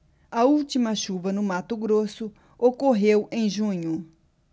a última chuva no mato grosso ocorreu em junho